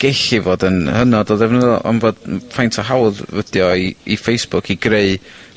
gellu fod yn hynod o ddefnyddiol ond bod faint o hawdd ydi o i i Facebook i greu